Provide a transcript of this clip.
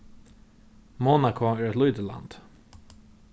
monako er eitt lítið land